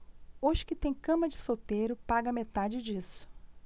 os que têm cama de solteiro pagam a metade disso